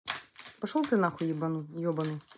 пошел ты нахуй ебаный